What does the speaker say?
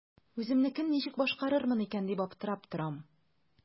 Үземнекен ничек башкарырмын икән дип аптырап торам.